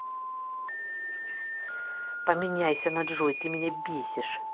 поменяйся на джой ты меня бесишь